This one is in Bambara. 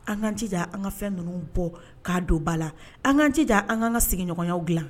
An ka jija an ka fɛn ninnu bɔ, k'a don ba la, an k'an jija an k'an an ka sigiɲɔgɔnɲanw dilan!